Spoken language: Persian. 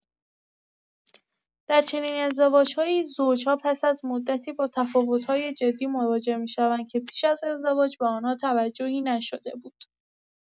در چنین ازدواج‌هایی، زوج‌ها پس از مدتی با تفاوت‌های جدی مواجه می‌شوند که پیش از ازدواج به آن توجهی نشده است.